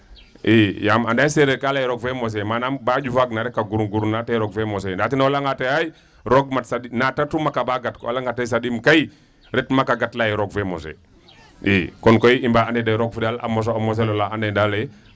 II yaam anda seereer ka lay ee roog fe mosee manaam ba ƴufaagna rek a gurgurna te hay roog fe mosee ndaa ten o layanga te hey roog mat saɗ naa ta retu maaka ba gat koy o layanga te saɗim kay ret maaka gat lay ee roog fe mosee i kon koy i mba ande roog fe a mosa mosel ola andna yee daal ee.